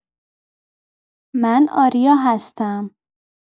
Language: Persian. من آریا هستم.